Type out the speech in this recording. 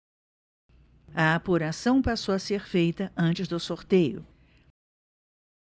a apuração passou a ser feita antes do sorteio